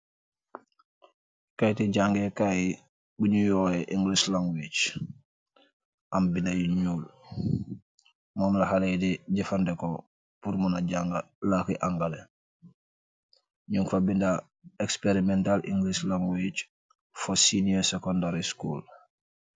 Keiti jaangeh kaii bu njui woyeh english language, am binda yu njull, mom la haleh yii daey jeufandehkor pur munah jaangah laaki angalais, nung fa binda experimental english language for senior secondary school.